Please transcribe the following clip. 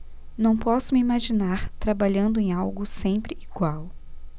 não posso me imaginar trabalhando em algo sempre igual